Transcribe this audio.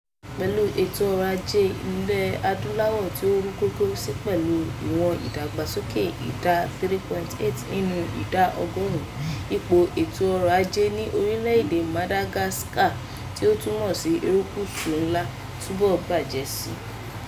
Pẹ̀lú ètò ọ̀rọ̀ ajé Ilẹ̀ Adúláwò tí ó ń rú gọ́gọ́ si pẹ̀lú ìwọ̀n ìdàgbàsókè ìdá 3.8 nínú ìdá ọgọ́rùn-ún, ipò ètò ọ̀rọ̀ ajé ní orílẹ̀ èdè Madagascar, tí a tun mọ̀ sí Erékùṣù Ńlá, túbọ̀ ń bàjẹ́ si.